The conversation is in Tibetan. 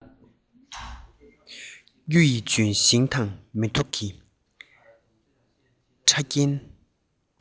གཡུ ཡི ལྗོན ཤིང དང མེ ཏོག གི ཕྲ རྒྱན